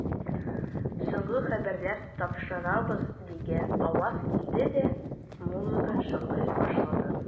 Соңгы хәбәрләр тапшырабыз, дигән аваз килде дә, музыка шыңгырдый башлады.